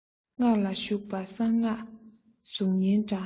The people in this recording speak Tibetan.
སྔགས ལ ཞུགས པ གསང སྔགས གཟུགས བརྙན འདྲ